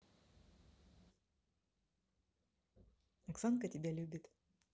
оксанка тебя любит